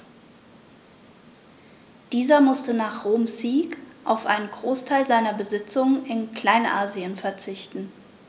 Dieser musste nach Roms Sieg auf einen Großteil seiner Besitzungen in Kleinasien verzichten.